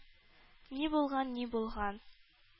-ни булган, ни булган...